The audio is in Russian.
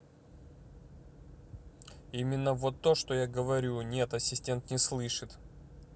именно вот то что я говорю нет ассистент не слышит